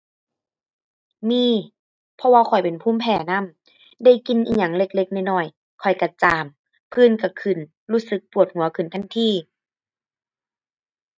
มี เพราะว่าข้อยเป็นภูมิแพ้นำ ได้กลิ่นอิหยังเล็กเล็กน้อยน้อยข้อยก็จาม ผื่นก็ขึ้น รู้สึกปวดหัวขึ้นทันที